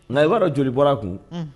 Nka i b'a dɔn joli bɔr'a kun; Un.